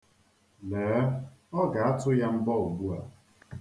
Lee, ọ ga-atụ ya mbọ ugbua.